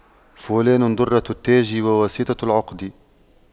فلان دُرَّةُ التاج وواسطة العقد